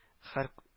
Һәрк